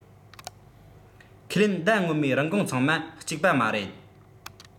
ཁས ལེན ཟླ སྔོན མའི རིན གོང ཚང མ གཅིག པ མ རེད